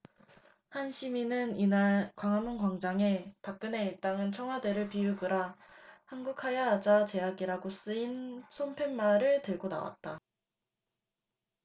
한 시민은 이날 광화문광장에 박근혜 일당은 청와대를 비우그라 한국하야하자 제약이라고 쓰인 손팻말을 들고 나왔다